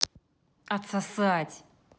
отсосать